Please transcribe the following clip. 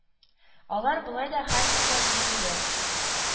Алар болай да һәркемгә билгеле